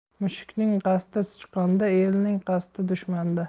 mushukning qasdi sichqonda elning qasdi dushmanda